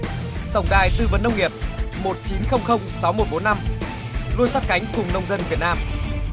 tổng đài tư vấn nông nghiệp một chín không không sáu một bốn năm luôn sát cánh cùng nông dân việt nam